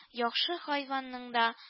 Яхшы хайванның да